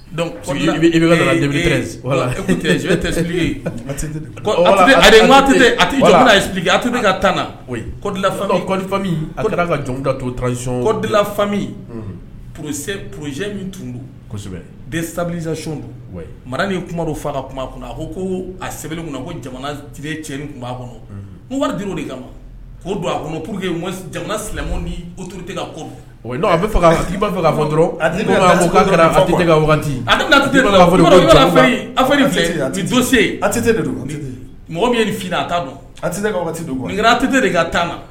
Dɔnkuc a ka tan o kodimu ka jɔn da to kodila fa porose pze min tun kosɛbɛ mara ni kuma dɔw faga ka kuma kun a ko ko a sɛbɛn kunna ko jamana ti cɛ tun b' a kɔnɔ wari di de kama k' don a ko pur que jamana silamɛmu a bɛ faga'a fɛ k'a dɔrɔn a te de mɔgɔ min ni a don a a tɛ te de ka taa